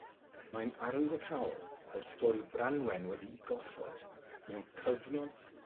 mae'n arwyddocaol fod stori Branwen wedi'i gosod mewn cyfnod